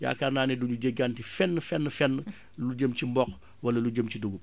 yaakaar naa ne du ñu jéggaan fenn fenn fenn fenn lu jëm ci mboq wala lu jëm ci dugub